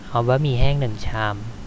เอาบะหมี่แห้งหนึ่งชาม